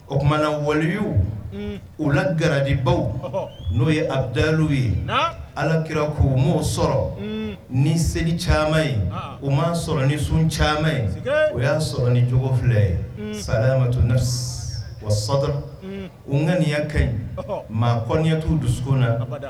O tumana na waliluww u la gadibaw n'o ye a dalu ye alakira k'u mo sɔrɔ ni seli caman ye u' sɔrɔ ni sun caman ye o y'a sɔrɔ ni cogofi filɛ ye saya mato o sɔda u ŋaniya kɛ ɲi maa kɔnyatu dususo na